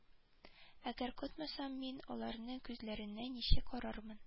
Әгәр котламасам мин аларның күзләренә ничек карармын